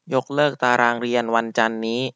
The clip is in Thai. ยกเลิกตารางเรียนวันจันทร์นี้